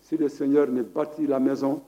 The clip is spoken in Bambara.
Si le seigneur me battu la maison